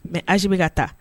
Mɛ alizbi ka taa